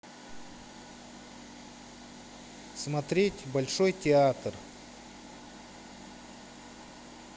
смотреть большой театр